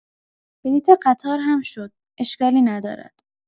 بلیت قطار هم شد، اشکالی ندارد.